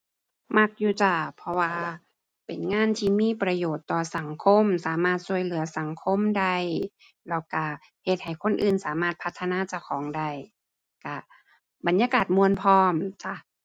มักอยู่จ้าเพราะว่าเป็นงานที่มีประโยชน์ต่อสังคม สามารถช่วยเหลือสังคมได้ แล้วช่วยเฮ็ดให้คนอื่นสามารถพัฒนาเจ้าของได้ ช่วย บรรยากาศม่วนพร้อมจ้ะ